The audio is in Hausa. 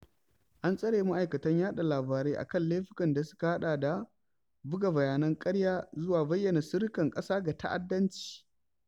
An tsare ma'aikatan yaɗa labarai a kan laifukan da suka haɗa da buga "bayanan ƙarya" zuwa bayyana sirrukan ƙasa ga ta'addanci.